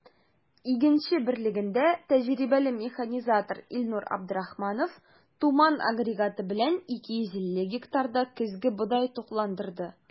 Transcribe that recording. “игенче” берлегендә тәҗрибәле механизатор илнур абдрахманов “туман” агрегаты белән 250 гектарда көзге бодай тукландырды.